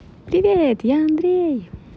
привет я андрей